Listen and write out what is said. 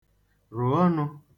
rụ̀ ọnụ̄